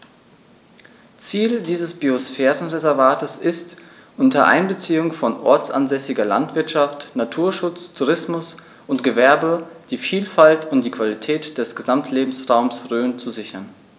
Ziel dieses Biosphärenreservates ist, unter Einbeziehung von ortsansässiger Landwirtschaft, Naturschutz, Tourismus und Gewerbe die Vielfalt und die Qualität des Gesamtlebensraumes Rhön zu sichern.